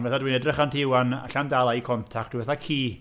Fatha dwi'n edrych ar ti 'wan, alla i ddim dal eye contact, dwi fatha ci.